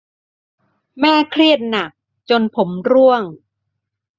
แม่เครียดหนักจนผมร่วง